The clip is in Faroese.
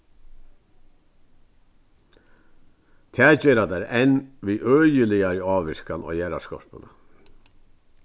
tað gera tær enn við øgiligari ávirkan á jarðarskorpuna